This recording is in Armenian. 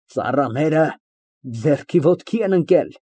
Ծառաները ձեռքի ոտքի են ընկել։